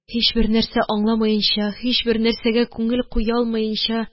Һичбер нәрсә аңламаенча, һичбер нәрсәгә күңел куя алмаенча